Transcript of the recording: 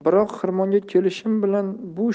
biroq xirmonga kelishim bilan bu